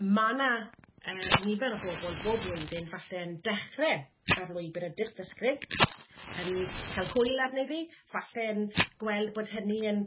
ma' 'na yy nifer o bobl bob blwyddyn falle yn dechrau ar lwybr y dystysgrif, yn cael hwyl arni iddi, falle yn gweld bod hynny yn